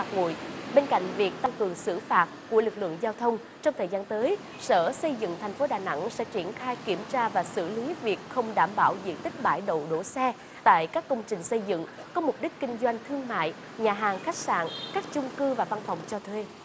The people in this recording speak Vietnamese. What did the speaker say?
phạt nguội bên cạnh việc tăng cường xử phạt của lực lượng giao thông trong thời gian tới sở xây dựng thành phố đà nẵng sẽ triển khai kiểm tra và xử lý việc không đảm bảo diện tích bãi đậu đỗ xe tại các công trình xây dựng có mục đích kinh doanh thương mại nhà hàng khách sạn các chung cư và văn phòng cho thuê